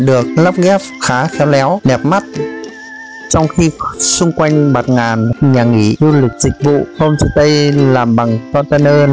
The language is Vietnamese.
được lắp ghép khá khéo léo đẹp mắt trong khi xung quanh bạt ngàn nhà nghỉ du lịch dịch vụ homestay làm bằng container